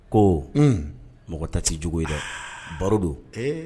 Ko mɔgɔ ta se jugu ye dɛ baro don